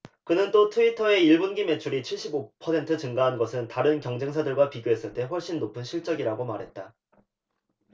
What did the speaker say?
그는 또 트위터의 일 분기 매출이 칠십 오 퍼센트 증가한 것은 다른 경쟁사들과 비교했을 때 훨씬 높은 실적이라고 말했다